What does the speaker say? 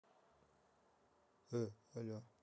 эй але